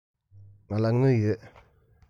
ང ལ དངུལ ཡོད